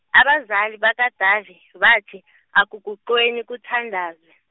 abazali bakaDavi, bathi akuguqweni kuthandazwe.